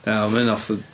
Iawn, mae hyn off the..